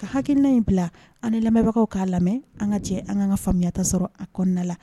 Ka hakilina in bila an ni lamɛnbagaw k'a lamɛn, an ka jɛ an k'an ka faamuyata sɔrɔ a kɔnɔna la